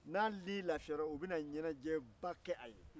n'a ni lafiyara u bɛ na ɲɛnajɛ ba kɛ a ye